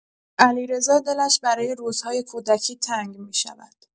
علیرضا دلش برای روزهای کودکی تنگ می‌شود.